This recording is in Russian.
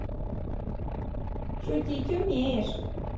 шутить умеешь